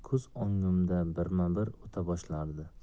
ko'z o'ngimdan birma bir o'ta boshlardi